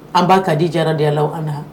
An ba ba Kadidia radiya laahu annha